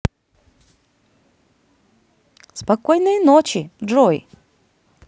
спокойной ночи джой